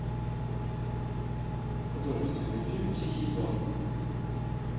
художественный фильм тихий дон